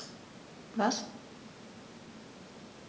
Was?